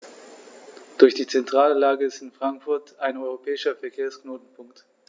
Durch die zentrale Lage ist Frankfurt ein europäischer Verkehrsknotenpunkt.